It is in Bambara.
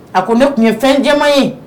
A ko ne kun ye fɛn caman ye.